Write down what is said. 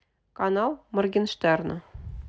канал моргенштерна